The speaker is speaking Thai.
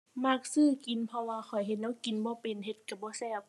มักซื้อกิน เพราะว่าข้อยเฮ็ดแนวกินบ่เป็น เฮ็ดก็บ่แซ่บ